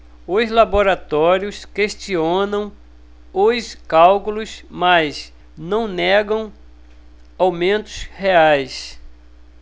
os laboratórios questionam os cálculos mas não negam aumentos reais